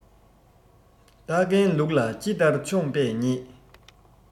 སྟག རྒན ལུག ལ ཁྱི ལྟར མཆོངས པས ཉེས